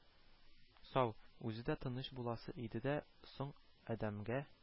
Сау, үзе дә тыныч буласы иде дә соң адәмгә